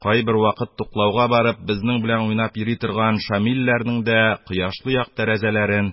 Кайбер вакыт туклауга барып, безнең белән уйнап йөри торган шамилләрнең дә кояшлы як тәрәзәләрен